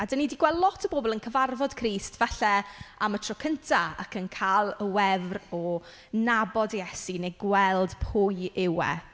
A dan ni 'di gweld lot o bobl yn cyfarfod Crist, falle am y tro cynta, ac yn cael y wefr o nabod Iesu neu gweld pwy yw e."